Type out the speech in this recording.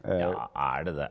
ja er det det.